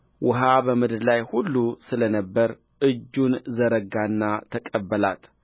ውኃ በምድር ላይ ሁሉ ስለ ነበረ እጁን ዘረጋና ተቀበላት